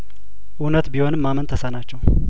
እውነት ቢሆንም ማመን ተሳናቸው